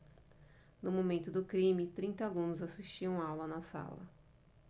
no momento do crime trinta alunos assistiam aula na sala